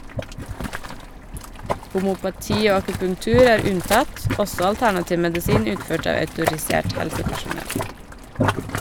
Homøopati og akupunktur er unntatt, også alternativ medisin utført av autorisert helsepersonell.